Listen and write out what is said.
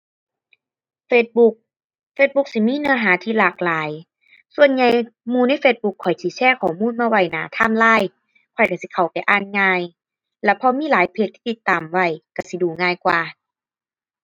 Facebook Facebook สิมีเนื้อหาที่หลากหลาย ส่วนใหญ่หมู่ใน Facebook ข้อยสิแชร์ข้อมูลมาไว้หน้าไทม์ไลน์ ข้อยก็สิเข้าไปอ่านง่าย แล้วพอมีหลายเพจที่ติดตามไว้ก็สิดูง่ายกว่า